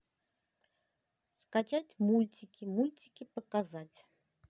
скачать мультики мультики показать